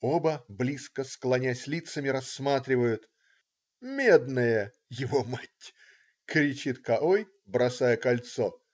Оба, близко склонясь лицами, рассматривают. "Медное!. его мать! - кричит К-ой, бросая кольцо.